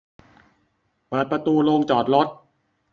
เปิดประตูโรงจอดรถ